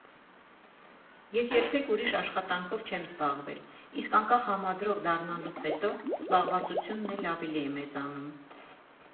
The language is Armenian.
Ես երբեք ուրիշ աշխատանքով չեմ զբաղվել, իսկ անկախ համադրող դառնալուց հետո զբաղվածությունն էլ ավելի է մեծանում»։